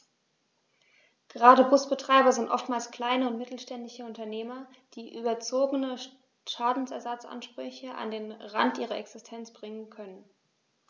Gerade Busbetreiber sind oftmals kleine und mittelständische Unternehmer, die überzogene Schadensersatzansprüche an den Rand ihrer Existenz bringen können.